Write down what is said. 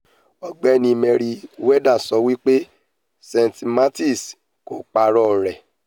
Ọgbéni Merriweather sọ wípé St. Martin kò pààrọ rẹ̀.